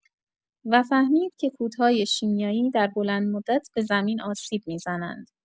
و فهمید که کودهای شیمیایی در بلندمدت به زمین آسیب می‌زنند.